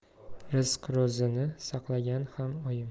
rizq ro'zini saqlagan ham oyim